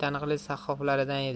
taniqli sahhoflaridan edi